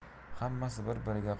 hammasi bir biriga